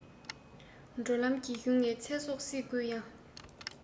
འགྲོ ལམ གྱི གཞུང ནས ཚེ སྲོག བསྲིངས དགོས ཡ